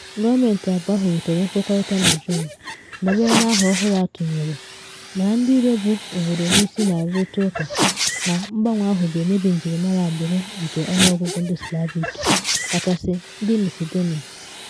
Gọọmentị abụọ ahụ rutere nkwekọrịta na Juun dabere na aha ọhụrụ atụnyere, mana ndị iro bụ obodo n’isi na arụrịta ụka na mgbanwe ahụ ga-emebi njirimara agbụrụ nke ọnụọgụgụ ndị Slavic kachasị nke Macedonia.